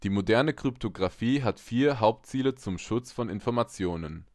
moderne Kryptographie hat vier Hauptziele zum Schutz von Informationen